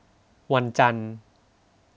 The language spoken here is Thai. วันจันทร์